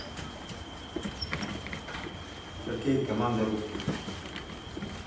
хоккей команда русских